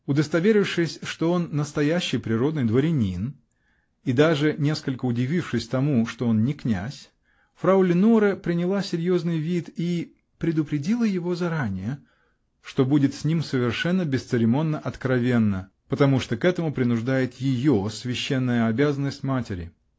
Удостоверившись, что он настоящий, природный дворянин, и даже несколько удивившись тому, что он не князь, фрау Леноре приняла серьезный вид и -- "предупредила его заранее", что будет с ним совершенно бесцеремонно откровенна, потому что к этому принуждает ее священная обязанность матери!